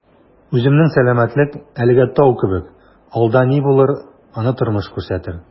Үземнең сәламәтлек әлегә «тау» кебек, алда ни булыр - аны тормыш күрсәтер...